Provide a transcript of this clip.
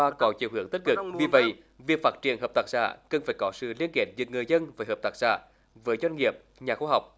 và có chiều hướng tích cực vì vậy việc phát triển hợp tác xã cần phải có sự liên kết giữa người dân phải hợp tác xã với doanh nghiệp nhà khoa học